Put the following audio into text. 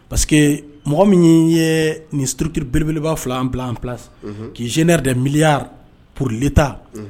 Parce que mɔgɔ min y ye nin surutiribelebelebba fila an bila an k'i zɛ de miya purbli ta